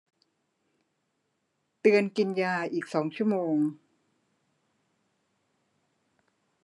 เตือนกินยาอีกสองชั่วโมง